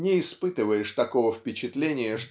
не испытываешь такого впечатления